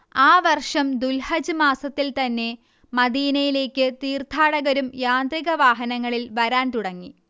ആ വർഷം ദുൽഹജ്ജ് മാസത്തിൽ തന്നെ മദീനയിലേക്ക് തീർത്ഥാടകരും യാന്ത്രിക വാഹനങ്ങളിൽ വരാൻ തുടങ്ങി